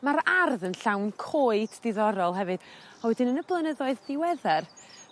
Ma'r ardd yn llawn coed diddorol hefyd a wedyn yn y blynyddoedd diweddar